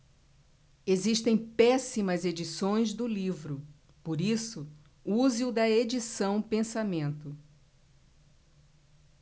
existem péssimas edições do livro por isso use o da edição pensamento